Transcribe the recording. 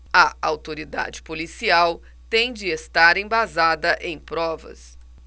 a autoridade policial tem de estar embasada em provas